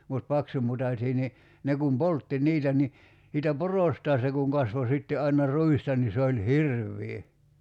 mutta paksumutaisia niin ne kun poltti niitä niin siitä porostaan se kun kasvoi sitten aina ruista niin se oli hirveä